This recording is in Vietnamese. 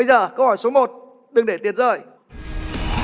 giờ câu hỏi số một đừng để tiền rơi